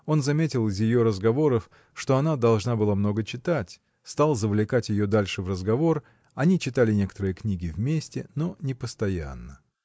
он заметил из ее разговоров, что она должна была много читать, стал завлекать ее дальше в разговор, они читали некоторые книги вместе, но не постоянно.